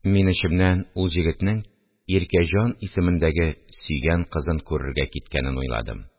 Мин эчемнән ул җегетнең Иркәҗан исемендәге сөйгән кызын күрергә киткәнен уйладым